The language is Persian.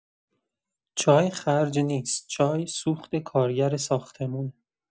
چای خرج نیست، چای سوخت کارگر ساختمونه.